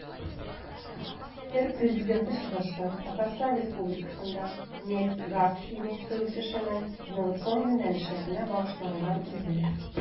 ТР Президенты чыгышы Татарстан Республикасында нефть-газ химиясе үсешенең инновацион юнәлешләренә багышланган иде.